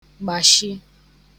gbàshị